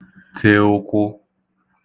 te ụkwụ̄